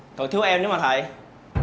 còn thiếu em nữa mà thầy